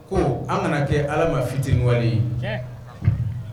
Ko an kana kɛ ala ma fit ye